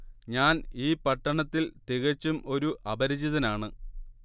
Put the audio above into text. ഞാൻ ഈ പട്ടണത്തിൽ തികച്ചും ഒരു അപരിചിതനാണ്